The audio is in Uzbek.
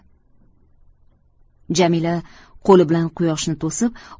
jamila qoli bilan quyoshni to'sib